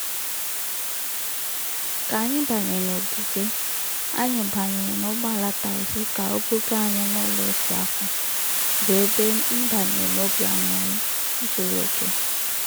Ka anyị banyere n'ogige, anyị banyere na ụgbọala taxi ka o buga anyị n'ụlọ esi apụ, bụ ebe m banyere n'obi aṅụrị zuru oke.